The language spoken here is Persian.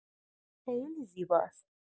خیلی زیبا است.